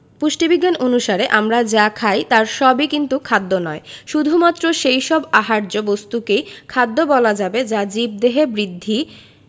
পুষ্টিবিজ্ঞান অনুসারে আমরা যা খাই তার সবই কিন্তু খাদ্য নয় শুধুমাত্র সেই সব আহার্য বস্তুকেই খাদ্য বলা যাবে যা জীবদেহে বৃদ্ধি